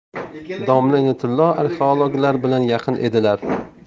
domla inoyatullo arxeologlar bilan yaqin edilar